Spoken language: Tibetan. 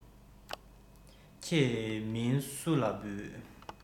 ཁྱེད མིན སུ ལ འབུལ